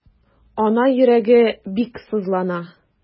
Ана йөрәге бик сызлана.